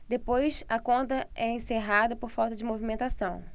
depois a conta é encerrada por falta de movimentação